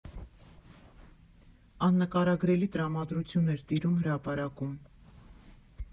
Աննկարագրելի տրամադրություն էր տիրում հրապարակում։